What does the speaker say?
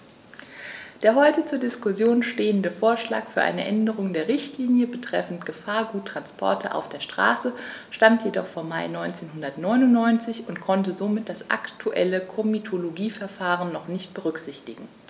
Der heute zur Diskussion stehende Vorschlag für eine Änderung der Richtlinie betreffend Gefahrguttransporte auf der Straße stammt jedoch vom Mai 1999 und konnte somit das aktuelle Komitologieverfahren noch nicht berücksichtigen.